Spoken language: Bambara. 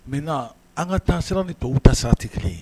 Maintenant an ka taasira ni tɔw taasira tɛ kelen ye